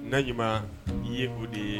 Ne ɲuman i ye o de ye